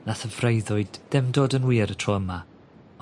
Nath y freuddwyd dim dod yn wir y tro yma.